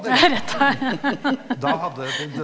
rett da .